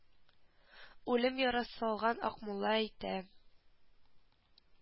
Үлем ярасы алган акмулла әйтә